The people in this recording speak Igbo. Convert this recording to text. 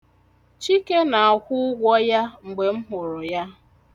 Chike na-akwụ ụgwọ ya mgbe m hụrụ.